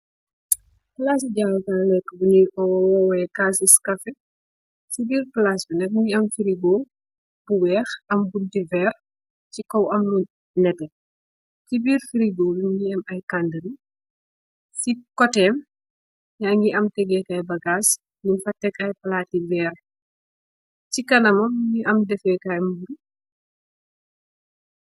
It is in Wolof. Palasi jaye kai lekeh bi nyung koi oyeh casis caffee si bir palas bi munge ame firegoh bu wekh am buntu yu verr yu neteh si birr firegoh bi munge am aye candrinks si kotem munge aye tegeh kai bagass munge am palati verr munge dafeh kai ndoguh